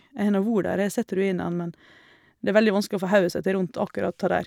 Jeg har nå vore der, jeg har sett ruinene, men det er veldig vanskelig å få hodet sitt i rundt akkurat det der.